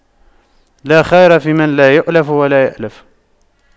لا خير فيمن لا يَأْلَفُ ولا يؤلف